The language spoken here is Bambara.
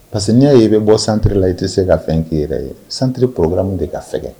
Parce que n y'a ye i bɛ bɔ santiriri la i tɛ se ka fɛn k'i yɛrɛ ye santiririorokura min de ka fɛ